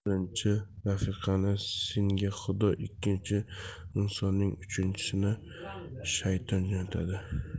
birinchi rafiqani senga xudo ikkinchisini insonlar uchinchisini shayton jo'natadi